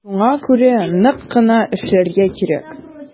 Шуңа күрә нык кына эшләргә кирәк.